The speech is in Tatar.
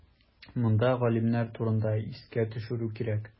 Монда галимнәр турында искә төшерү кирәк.